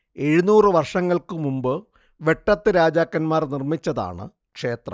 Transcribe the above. എഴുന്നൂറ് വർഷങ്ങൾക്കു മുമ്പ് വെട്ടത്തു രാജാക്കൻമാർ നിർമ്മിച്ചതാണ് ക്ഷേത്രം